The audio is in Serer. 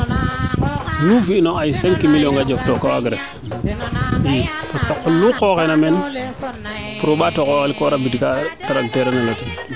nu fiyuuna ay cinq million a jof took a waag ref i o qol lu xoxaana meen pour o mbaato xoxel ko rabid kaa tracteur